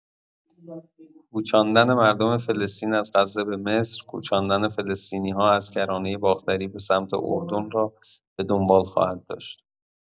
کوچاندن مردم فلسطین از غزه به مصر، کوچاندن فلسطینی‌ها از کرانه باختری به سمت اردن را به دنبال خواهد داشت.